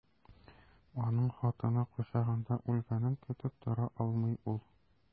Аның хатыны кочагында үлгәнен көтеп тора алмый ул.